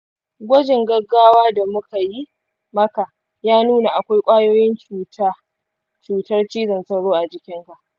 gwajin gaggawa da muka yi maka ya nuna akwai kwayoyin cutar cutar cizon sauro a jikinka.